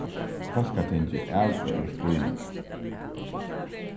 fólkatingið avgreiðir spurningin